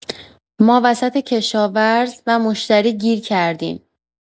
ما وسط کشاورز و مشتری گیر کردیم.